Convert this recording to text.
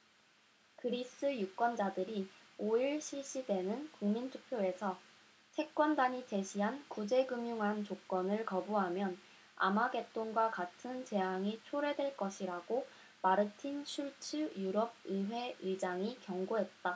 그리스 유권자들이 오 일 실시되는 국민투표에서 채권단이 제시한 구제금융안 조건을 거부하면 아마겟돈과 같은 재앙이 초래될 것이라고 마르틴 슐츠 유럽의회 의장이 경고했다